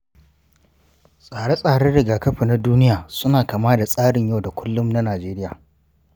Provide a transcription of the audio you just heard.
tsare-tsaren rigakafi na duniya suna kama da tsarin yau da kullun na najeriya.